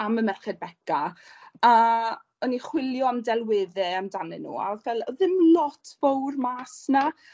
am y Merched Beca a o'n i chwilio am delwedde amdanyn nw a odd fel odd ddim lot fowr mas 'na